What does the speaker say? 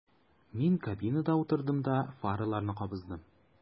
Мин кабинага утырдым да фараларны кабыздым.